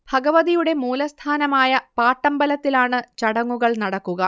ഭഗവതിയുടെ മൂലസ്ഥാനമായ പാട്ടമ്പലത്തിലാണ് ചടങ്ങുകൾ നടക്കുക